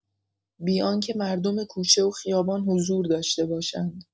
بی‌آنکه مردم کوچه و خیابان حضور داشته باشند